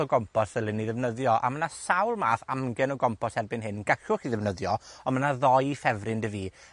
o gompos ddylen ni ddefnyddio? A ma' 'na sawl math amgen o gompos erbyn hyn gallwch chi ddefnyddio, on' ma' 'na ddoi ffefryn 'da fi.